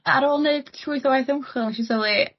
ar ôl neud llwyth o waith ymchwil nesh i sylwi